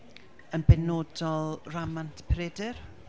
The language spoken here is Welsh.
Yn benodol rhamant Peredur.